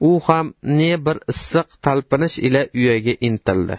u ham ne bir issiq talpinish ila uyaga intildi